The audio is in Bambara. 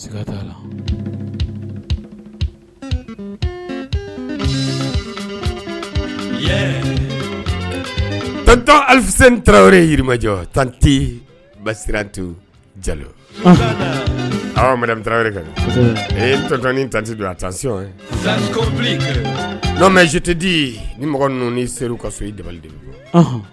Tan ali tarawele yirijɔ tante ba siranti ja mɛ kat ni tante don a taa se mɛtedi ni mɔgɔ ninnu se ka so i dabali de